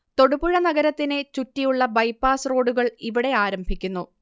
തൊടുപുഴ നഗരത്തിനെ ചുറ്റിയുള്ള ബൈപാസ് റോഡുകൾ ഇവിടെ ആരംഭിക്കുന്നു